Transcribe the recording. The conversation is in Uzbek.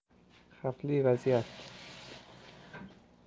xavfli vaziyat